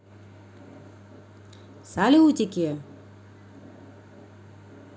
салютики